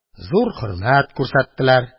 Зур хөрмәт күрсәттеләр.